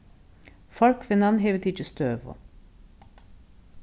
forkvinnan hevur tikið støðu